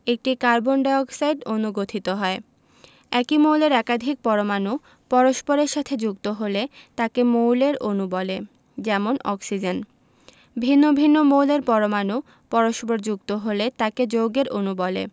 একটি carbon dioxide অণু গঠিত হয় একই মৌলের একাধিক পরমাণু পরস্পরের সাথে যুক্ত হলে তাকে মৌলের অণু বলে যেমন অক্সিজেন ভিন্ন ভিন্ন মৌলের পরমাণু পরস্পর যুক্ত হলে তাকে যৌগের অণু বলে